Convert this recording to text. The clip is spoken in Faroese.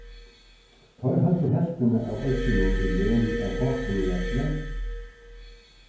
teir høvdu helvtina av oyggjunum í len av hákuni jalli